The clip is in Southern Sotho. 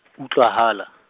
utlwahala.